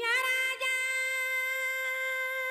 Sangɛnin